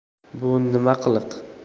bu nima qiliq